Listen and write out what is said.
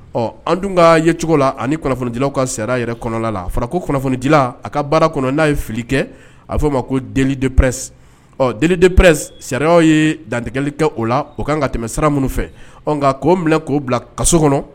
Ɔ an dun' yecogo la ani kunnafonidilaw ka sariya yɛrɛ kɔnɔna la fara ko kunnafonidi a ka baara kɔnɔ n'a ye fili kɛ a'o ma ko deli depɛs ɔ deli de pɛ sariya ye dantigɛli kɛ o la o kan ka tɛmɛ sira minnu fɛ ɔ nka k'o minɛ k'o bila kaso kɔnɔ